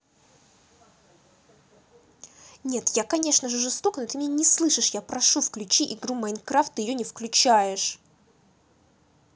нет я конечно же жестока но ты меня не слышишь я прошу включи игру minecraft ты ее не включаешь